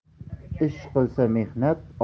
ish qolsa mehnat